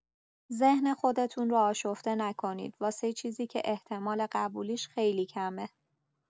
ذهن خودتون رو آشفته نکنید واسه چیزی که احتمال قبولیش خیلی کمه!